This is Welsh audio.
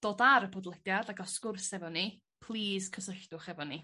dod ar y podlediad a ga'l sgwrs hefo ni plîs cysylltwch efo ni.